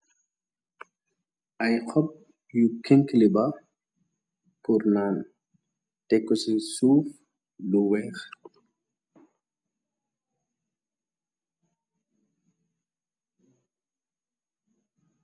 Ay xob yu kënkiliba pur naan, ték ko ci suuf bu weex.